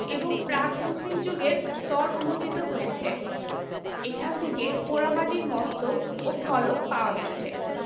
এবং প্রাক মুসলিম যুগের স্তর উন্মোচিত হয়েছে এখান থেকে পোড়ামাটির মস্তক ও ফলক পাওয়া গেছে